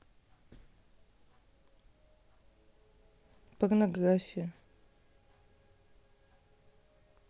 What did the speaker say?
порнография